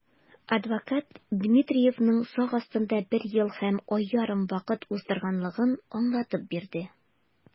Адвокат Дмитриевның сак астында бер ел һәм ай ярым вакыт уздырганлыгын аңлатып бирде.